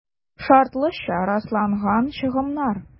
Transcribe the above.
«шартлыча расланган чыгымнар»